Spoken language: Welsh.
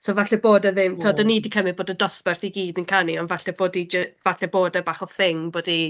So falle bod e ddim, tibod... O ie. ...Dan ni 'di cymyd bod y dosbarth i gyd yn canu, ond falle bod i jys- falle bod e bach o thing bod hi...